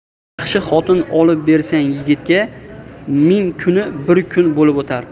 yaxshi xotin olib bersang yigitga ming kuni bir kun bo'lib o'tar